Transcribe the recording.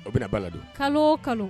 O bɛna ba ladon kalo o kalo